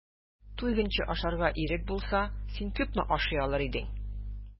Туйганчы ашарга ирек булса, син күпме ашый алыр идең?